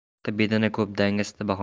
o'tloqda bedana ko'p dangasada bahona